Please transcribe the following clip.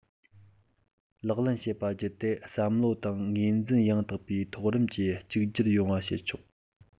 ལག ལེན བྱས པ བརྒྱུད དེ བསམ བློ དག ངོས འཛིན ཡང དག པའི ཐོག རིམ གྱིས གཅིག གྱུར ཡོང བ བྱས ཆོག